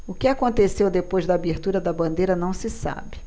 o que aconteceu depois da abertura da bandeira não se sabe